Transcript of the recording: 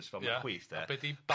Ia, a be' 'di balfod?